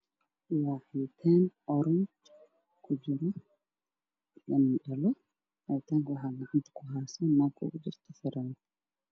Waa cabitaan orange ah wuxuu ku jiro dhalo cabitaanka waxaa gacanta ku heyso naag